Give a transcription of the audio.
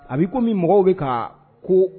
A b'i ko min mɔgɔw bɛ ka ko